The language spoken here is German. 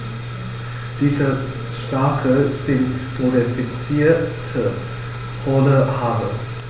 Diese Stacheln sind modifizierte, hohle Haare.